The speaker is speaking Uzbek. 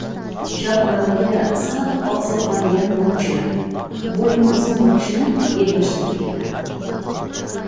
chap oyog'iga sal oqsoqlagan novcha bo'yni uzun bir kishini ergashtirib keldi